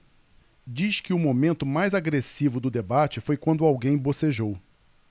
diz que o momento mais agressivo do debate foi quando alguém bocejou